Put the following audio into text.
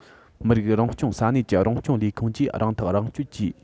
མི རིགས རང སྐྱོང ས གནས ཀྱི རང སྐྱོང ལས ཁུངས ཀྱིས རང ཐག རང གཅོད ཀྱིས